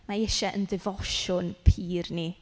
Mae e isie ein defosiwn pur ni.